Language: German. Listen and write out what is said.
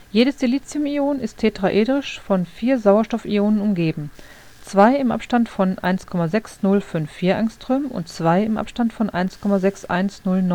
Jedes Siliciumion ist tetraedrisch von vier Sauerstoffionen umgeben, zwei im Abstand von 1,6054 Å und zwei im Abstand von 1,6109